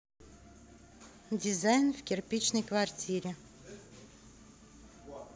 дизайн в кирпичной квартире